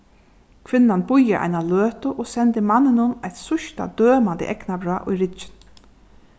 kvinnan bíðar eina løtu og sendir manninum eitt síðsta dømandi eygnabrá í ryggin